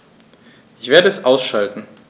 Ich werde es ausschalten